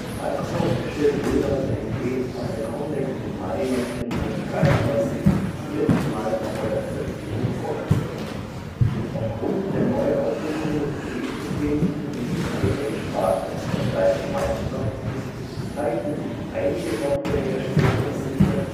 Microsoft stellte Windows NT auf der COMDEX im Mai 1993 letztmals vor der Veröffentlichung vor. Aufgrund der Neuausrichtung des Betriebssystems in die High-End-Sparte von Seiten Microsofts zeigten sich einige Softwarehersteller verunsichert